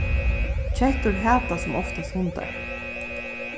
kettur hata sum oftast hundar